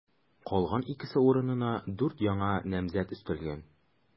Калган икесе урынына дүрт яңа намзәт өстәлгән.